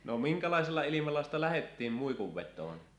no minkälaisella ilmalla sitä lähdettiin muikun vetoon